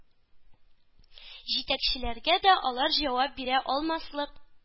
Җитәкчеләргә дә алар җавап бирә алмаслык